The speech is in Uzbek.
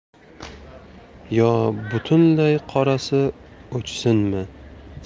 yo butunlay qorasi o'chsinmi